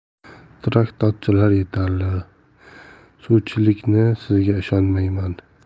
traktorchilar yetarli suvchilikni sizga ishonmayman